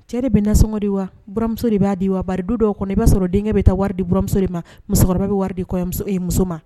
Cɛ de bɛ na sɔngɔn di wa? buramuso de b'a di wa? Bari du dɔw kɔnɔ i b'a sɔrɔ denkɛ bɛ taa wari di buramuso de ma, musokɔrɔba bɛ wari di kɔɲɔmuso, ɛɛ muso ma.